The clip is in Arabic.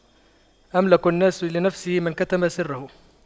أملك الناس لنفسه من كتم سره